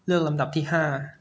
เลือกลำดับที่ห้า